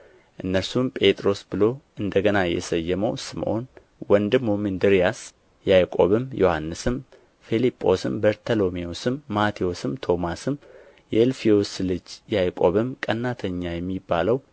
እነርሱም ጴጥሮስ ብሎ እንደ ገና የሰየመው ስምዖን ወንድሙም እንድርያስ ያዕቆብም ዮሐንስም ፊልጶስም በርተሎሜዎስም ማቴዎስም ቶማስም የእልፍዮስ ልጅ ያዕቆብም ቀናተኛ የሚባለው